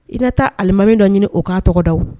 I nɛ taa alimami dɔ ɲini o k'a tɔgɔda wo